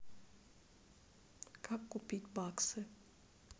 как купить баксы